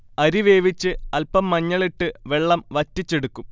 അരി വേവിച്ച് അൽപം മഞ്ഞളിട്ട് വെള്ളം വറ്റിച്ചെടുക്കും